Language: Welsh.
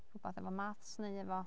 Hefyd rywbeth efo maths neu efo...